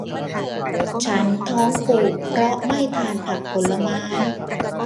ฉันท้องผูกเพราะไม่ทานผักผลไม้